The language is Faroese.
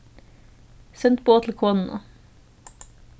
send boð til konuna